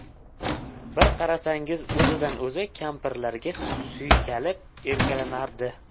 bir qarasangiz o'zidan o'zi kampirlarga suykalib erkalanardi